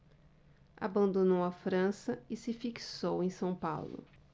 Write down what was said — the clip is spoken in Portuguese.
abandonou a frança e se fixou em são paulo